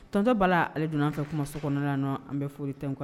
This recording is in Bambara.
Tɔnontɔ bala ale donna fɛ kuma so kɔnɔ nɔ an bɛɛ foli tɛ